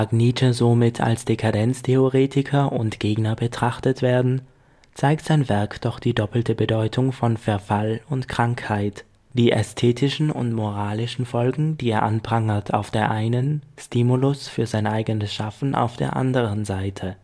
Nietzsche somit als Dekadenztheoretiker und - gegner betrachtet werden, zeigt sein Werk doch die doppelte Bedeutung von Verfall und Krankheit: Die ästhetischen und moralischen Folgen, die er anprangert, auf der einen, Stimulus für sein eigenes Schaffen auf der anderen Seite